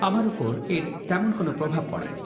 me আমার উপর এর তেমন কোন প্রভাব পড়েনি